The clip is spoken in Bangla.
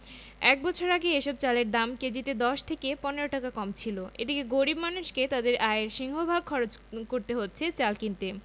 এক বছর আগে এসব চালের দাম কেজিতে ১০ থেকে ১৫ টাকা কম ছিল এদিকে গরিব মানুষকে তাঁদের আয়ের সিংহভাগ খরচ করতে হচ্ছে চাল কিনতে